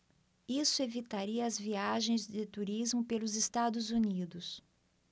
isso evitaria as viagens de turismo pelos estados unidos